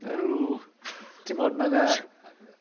Ew. Tibod mae yna...